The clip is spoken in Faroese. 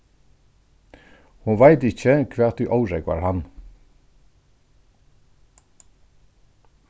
hon veit ikki hvat ið órógvar hann